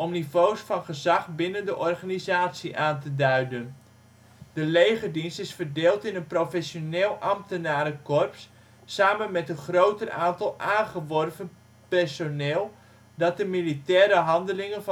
niveaus van gezag binnen de organisatie aan te duiden. De legerdienst is verdeeld in een professioneel ambtenarenkorps samen met een groter aantal aangeworven personeel dat de militaire handelingen